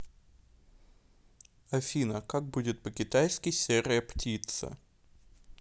афина как будет по китайски серая птица